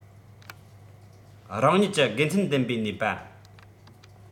རང ཉིད ཀྱི དགེ མཚན ལྡན པའི ནུས པ